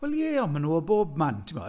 Wel ie, ond maen nhw o bob man, timod.